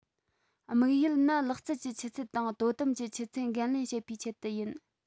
དམིགས ཡུལ ནི ལག རྩལ གྱི ཆུ ཚད དང དོ དམ གྱི ཆུ ཚད འགན ལེན བྱེད པའི ཆེད དུ ཡིན